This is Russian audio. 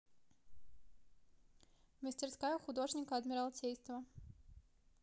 мастерская художника адмиралтейство